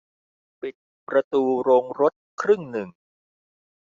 ปิดประตูโรงรถครึ่งหนึ่ง